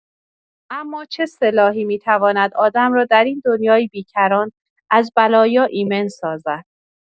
اما چه سلاحی می‌تواند آدم را در این دنیای بیکران از بلایا ایمن سازد؟